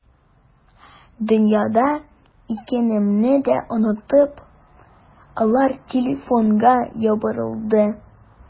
Дөньяда икәнемне дә онытып, алар телефонга ябырылды.